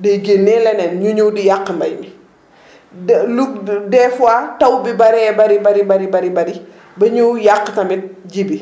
day génnee leneen ñuy ñëw di yàq mbay mi de lu des fois taw bi bëree bëri bëri bëri ba ñëw yàq tamit ji bi